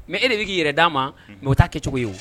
Mɛ e de b' k'i yɛrɛ d'a ma mɛ taa kɛcogo ye